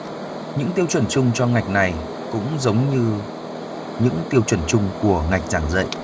những tiêu chuẩn chung cho ngạch này cũng giống như những tiêu chuẩn chung của ngạch giảng dạy